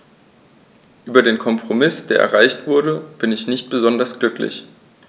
Über den Kompromiss, der erreicht wurde, bin ich nicht besonders glücklich.